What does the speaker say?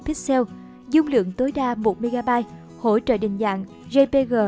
dung lượng tối đa mb hỗ trợ định dạng jpg png